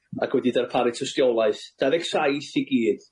ac wedi darparu tystiolaeth, dau ddeg saith i gyd,